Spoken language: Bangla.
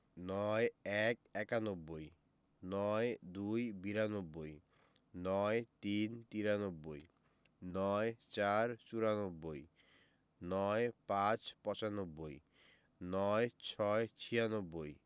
৯১ - একানব্বই ৯২ - বিরানব্বই ৯৩ - তিরানব্বই ৯৪ – চুরানব্বই ৯৫ - পচানব্বই ৯৬ - ছিয়ানব্বই